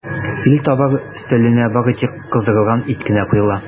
Илтабар өстәленә бары тик кыздырылган ит кенә куела.